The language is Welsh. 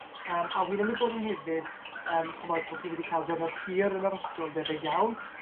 Yym a wi'n ymwybodol hefyd yym ch'mod bod chi wedi ca'l diwrnod hir yn yr ysgol debyg iawn.